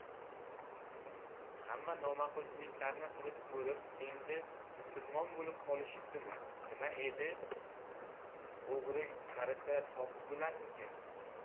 hamma noma'qulchiliklarni qilib ko'rib endi musulmon bo'lib qolishibdimi nima edi o'g'ri qarisa so'fi bo'larkanmi